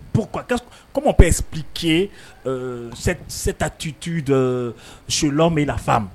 Pourquoi qu'est ce, comment on peut expliquer eh, cette attitude entre chez l'homme et la femme?